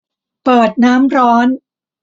เปิดน้ำร้อน